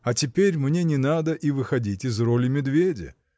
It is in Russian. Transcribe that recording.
А теперь мне не надо и выходить из роли медведя.